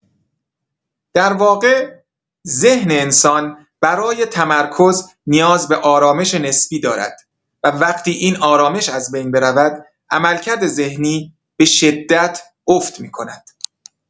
در واقع، ذهن انسان برای تمرکز نیاز به آرامش نسبی دارد و وقتی این آرامش از بین برود، عملکرد ذهنی به‌شدت افت می‌کند.